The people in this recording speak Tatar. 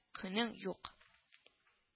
Көнең юк